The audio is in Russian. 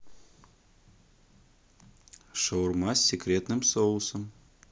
шаурма с секретным соусом